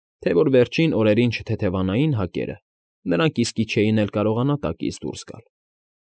Թե որ վերջին օրերին չթեթևանային հակերը, նրանք իսկի չէին էլ կարողանա տակից դուրս գալ։